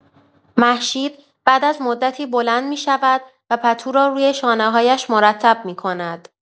مهشید بعد از مدتی بلند می‌شود و پتو را روی شانه‌هایش مرتب می‌کند.